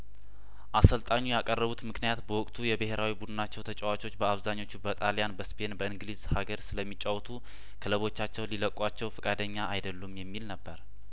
አሰልጣኙ ያቀረቡት ምክንያት በወቅቱ የብሄራዊ ቡድናቸው ተጫዋቾች በአብዛኞቹ በጣልያን በስፔንና በእንግሊዝ ሀገር ስለሚ ጫወቱ ክለቦቻቸው ሊለቋቸው ፍቃደኛ አይደሉም የሚል ነበር